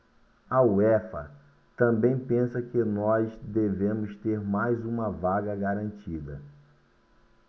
a uefa também pensa que nós devemos ter mais uma vaga garantida